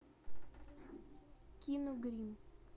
кино гримм